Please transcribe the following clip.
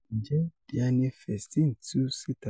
Ǹjẹ́ Dianne Feinstein tu síta?